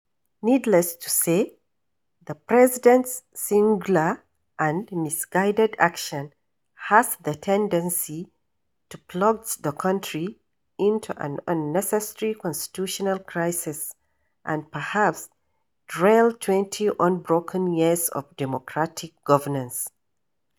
Needless to say, the president’s singular and misguided action has the tendency to plunge the country into an unnecessary constitutional crisis and, perhaps, derail 20 unbroken years of democratic governance.